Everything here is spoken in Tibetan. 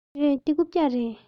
རེད འདི རྐུབ བཀྱག རེད